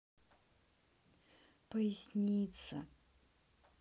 поясница